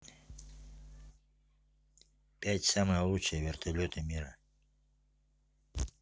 пять самое лучшее вертолеты мира